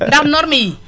ndax normes yi